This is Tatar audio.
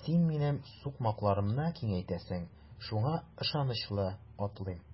син минем сукмакларымны киңәйтәсең, шуңа ышанычлы атлыйм.